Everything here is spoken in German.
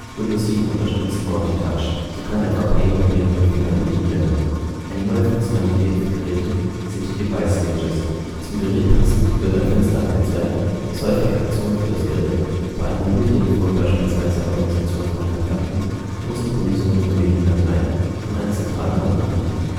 Windows 7 unterstützt Multi-Touch. So kann etwa Paint mit mehreren Fingern bedient werden. Eine neue Funktionalität für Geräte sind die device stages: Zum Gerät passend wird ein Fenster angezeigt, das häufige Aktionen für das Gerät (bei einem Mobiltelefon beispielsweise Organisation von Kontakten und Synchronisierung von Mediendateien) an einem zentralen Ort anbietet